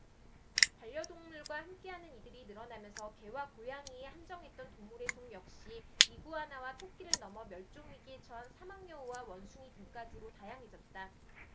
반려동물과 함께 하는 이들이 늘어나면서 개와 고양이에 한정됐던 동물의 종 역시 이구아나와 토끼를 넘어 멸종위기에 처한 사막여우와 원숭이 등까지로 다양해졌다